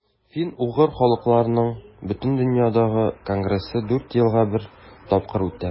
Фин-угыр халыкларының Бөтендөнья конгрессы дүрт елга бер тапкыр үтә.